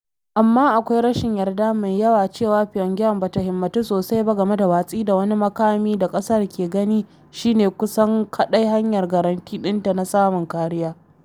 Amma akwai rashin yarda mai yawa cewa Pyongyang ba ta himmatu sosai ba game da watsi da wani makami da ƙasar ke ganin shi ne kusan kaɗai hanyar garanti ɗinta na samun kariya.